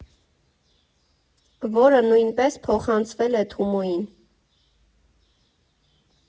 Որը նույնպես փոխանցվել է Թումոյին։